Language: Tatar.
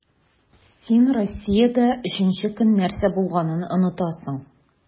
Син Россиядә өченче көн нәрсә булганын онытасың.